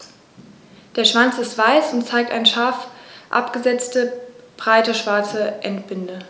Der Schwanz ist weiß und zeigt eine scharf abgesetzte, breite schwarze Endbinde.